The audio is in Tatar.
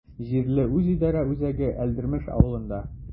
Җирле үзидарә үзәге Әлдермеш авылында.